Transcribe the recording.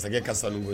Masakɛ ka sanu koyi